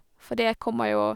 For det kommer jo...